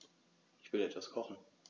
Ich will etwas kochen.